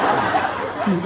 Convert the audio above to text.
mùi